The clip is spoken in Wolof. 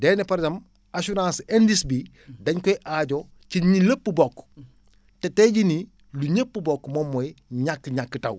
day ne par exemple assurance indice bi day koy aajo ci ñi lépp bokk te tey jii nii lu ñëpp bokk moom mooy ñàkk-ñàkk taw